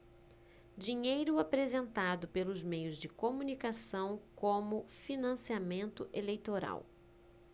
dinheiro apresentado pelos meios de comunicação como financiamento eleitoral